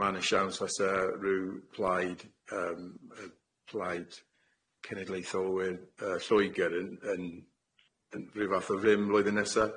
Ma' na siawns fysa ryw plaid yym yy plaid cenedlaetholwyr yy Lloegr yn yn yn ryw fath o rym flwyddyn nesa.